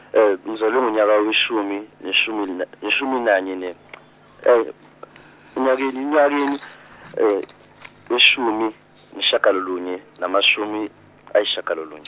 ngizalwe ngonyaka weshumi- neshumin- neshuminanye -nye enyakeni enyakeni weshumi neshagalolunye namashumi ayishagalolunye.